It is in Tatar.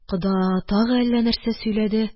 Кода тагы әллә нәрсә сөйләде